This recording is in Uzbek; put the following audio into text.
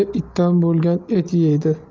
itdan bo'lgan et yeydi